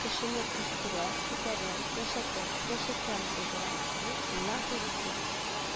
Кешене үстерә, күтәрә, яшәтә, киләчәккә омтылдыра, бу – илаһи рухлы